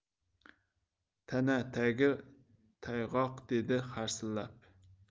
tana tagi tayg'oq dedi harsillab